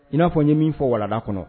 I n'a fɔ n ye min fɔ walada kɔnɔ